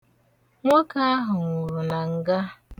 Nwoke ahụ nwụrụ na nga.